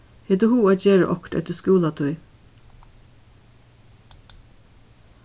hevur tú hug at gera okkurt eftir skúlatíð